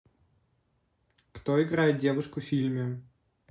кто играет девушку в фильме